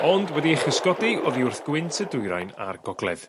ond wedi ei chysgodi oddi wrth gwynt y dwyrain a'r gogledd.